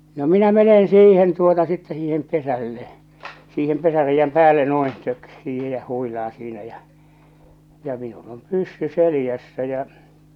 no minä menen siihen tuota sitten siihen pesälle siihen pesäreiän päälle noin - siihen ja huilaan siinä ja ja minulla on pyssy selässä ja